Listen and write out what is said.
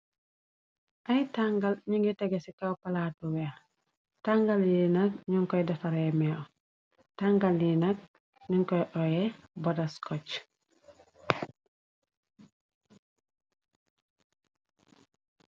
Ay tangal ñu ngi tégu ci kaw palaat bu wèèx, tangal yi nak ñing koy defaree mew. Tangal yi nak ñing koy óyeh botas koj.